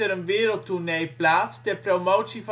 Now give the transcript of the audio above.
een wereldtournee plaats ter promotie